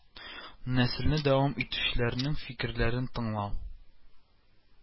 Нәселне дәвам итүчеләрнең фикерләрен тыңлау